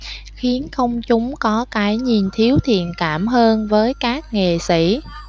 khiến công chúng có cái nhìn thiếu thiện cảm hơn với các nghệ sĩ